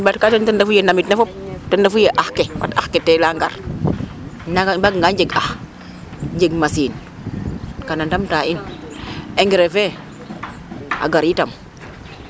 keem ɓaatka teen ten refu yee ndamit ne fop ten refu yee ax ke, fat ax ke teela a ngar i mbaaganga njeg ax ,jeg machine kana ndamta in engrais fe a gar itam,